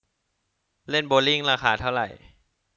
เล่นโบว์ลิ่งราคาเท่าไหร่